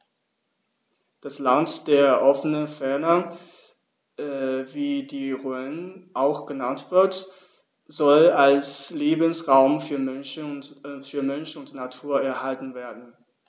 Das „Land der offenen Fernen“, wie die Rhön auch genannt wird, soll als Lebensraum für Mensch und Natur erhalten werden.